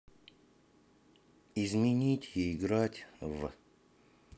изменить и играть в